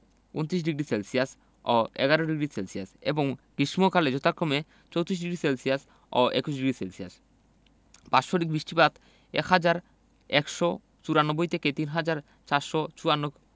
২৯ degree Celsius ও ১১ডিগ্রি Celsius এবং গ্রীষ্মকালে যথাক্রমে ৩৪ডিগ্রি সেলসিয়াস ও ২১ডিগ্রি সেলসিয়াস বার্ষিক বৃষ্টিপাত ১হাজার ১৯৪ থেকে ৩হাজার ৪৫৪ মিলিমিটার